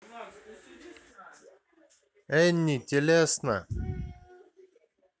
anny телесно